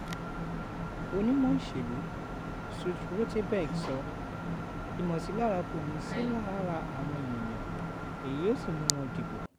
Onímọ̀ ìṣèlú Stu Rothenberg sọ “Ìmọ̀sílára kò ní í sí lára àwọn ènìyàn, èyí yóò sì mú wọn dìbò”